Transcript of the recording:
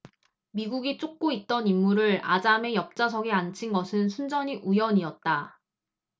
미국이 쫓고 있던 인물을 아잠의 옆좌석에 앉힌 것은 순전히 우연이었다